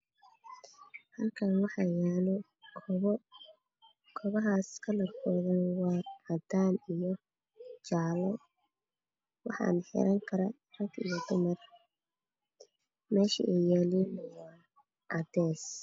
Halkaan waxaa yaalo kabo jaalo rag iyo dumar meesha ay yaalana waa cadays